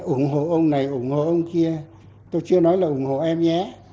ủng hộ ông này ủng hộ ông kia tôi chưa nói là ủng hộ em nhé